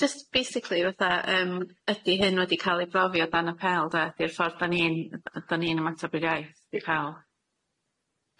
Jyst basically fatha yym ydi hyn wedi ca'l ei brofi o dan apêl de? Ydi'r ffordd da ni'n yy ydan ni'n ymatab i'r iaith di ca'l?